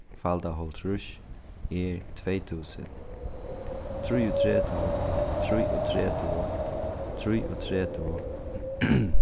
falda hálvtrýss er tvey túsund trýogtretivu trýogtretivu trýogtretivu